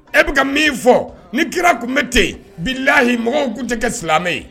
E bɛ ka min fɔ ni kira tun bɛ ten yen bi layi mɔgɔw tun tɛ kɛ silamɛmɛ ye